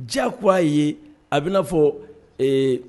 Jaa ko' a ye a bɛ'a fɔ